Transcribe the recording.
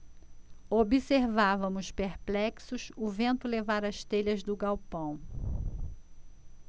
observávamos perplexos o vento levar as telhas do galpão